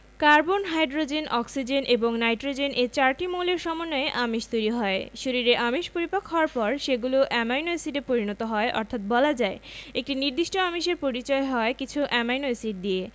carbon hydrogen oxygen এবং nitrogen এ চারটি মৌলের সমন্বয়ে আমিষ তৈরি হয় শরীরে আমিষ পরিপাক হওয়ার পর সেগুলো অ্যামাইনো এসিডে পরিণত হয় অর্থাৎ বলা যায় একটি নির্দিষ্ট আমিষের পরিচয় হয় কিছু অ্যামাইনো এসিড দিয়ে